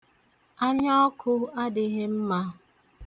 Anyaọkụ adịghị mma.